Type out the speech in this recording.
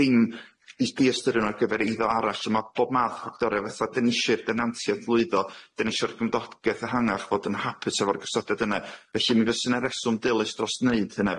dim i i ystyryn o ar gyfer eiddo arall on' ma' pob math o actoria fatha denisir denantiaeth lwyddo denisio'r gymdogaeth ehangach fod yn hapus efo'r gosodod yne felly mi fysa na rheswm dilys dros wneud hynna.